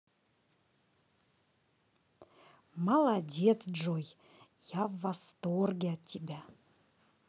молодец джой я в восторге от тебя